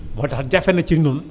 moo tax jafe na ci ñun